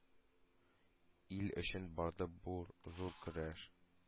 Ил өчен барды бу зур көрәш,